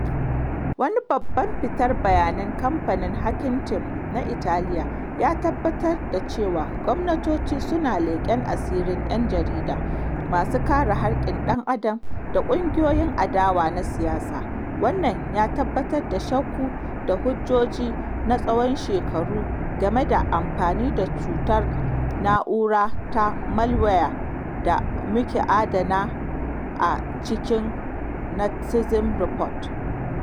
Wani babban fitar bayanan kamfanin Hacking Team na Italiya ya tabbatar da cewa gwamnatoci suna leƙen asirin ‘yan jarida, masu kare haƙƙin ɗan adam, da ƙungiyoyin adawa na siyasa, wannan ya tabbatar da shakku da hujjoji na tsawon shekaru game da amfani da cutar na'ura ta malware da muka adana a cikin Netizen Report.